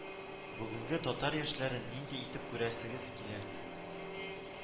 Бүгенге татар яшьләрен нинди итеп күрәсегез килә